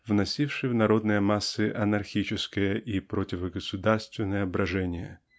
вносивший в народные массы анархическое и противогосударственное брожение.